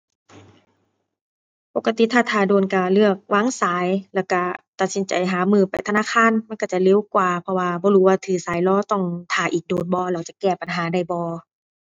ปกติถ้าท่าโดนก็เลือกวางสาย แล้วก็ตัดสินใจหามื้อไปธนาคาร มันก็จะเร็วกว่า เพราะว่า บ่รู้ว่า ถือสายรอต้องท่าอีกโดนบ่ แล้วจะแก้ปัญหาได้บ่